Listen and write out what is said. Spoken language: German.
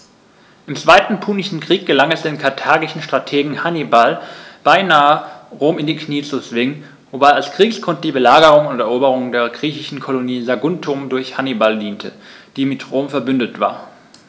Im Zweiten Punischen Krieg gelang es dem karthagischen Strategen Hannibal beinahe, Rom in die Knie zu zwingen, wobei als Kriegsgrund die Belagerung und Eroberung der griechischen Kolonie Saguntum durch Hannibal diente, die mit Rom „verbündet“ war.